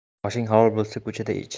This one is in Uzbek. oshing halol boisa ko'chada ich